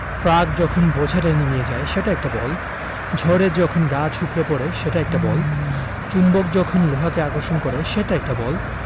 truck যখন বোঝা টেনে নিয়ে যায় সেটা একটা বল ঝড়ে যখন গাছ উপড়ে পড়ে সেটা একটা বল চুম্বক যখন লোহাকে আকর্ষণ করে সেটা একটা বল